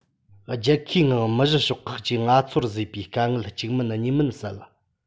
རྒྱལ ཁའི ངང མི བཞི ཤོག ཁག གིས ང ཚོར བཟོས པའི དཀའ ངལ གཅིག མིན གཉིས མིན བསལ